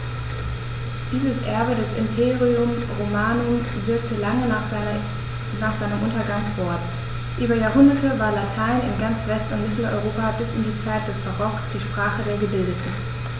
Dieses Erbe des Imperium Romanum wirkte lange nach seinem Untergang fort: Über Jahrhunderte war Latein in ganz West- und Mitteleuropa bis in die Zeit des Barock die Sprache der Gebildeten.